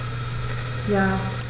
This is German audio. Ja.